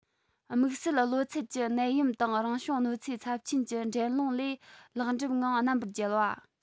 དམིགས བསལ གློ ཚད ཀྱི ནད ཡམས དང རང བྱུང གནོད འཚེ ཚབས ཆེན གྱི འགྲན སློང ལས ལེགས འགྲུབ ངང རྣམ པར རྒྱལ བ